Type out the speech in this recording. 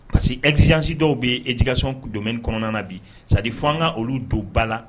Pa que ezsi dɔw bɛ ejkasɔnon ku don kɔnɔna na bi sadi fo an ka olu don ba la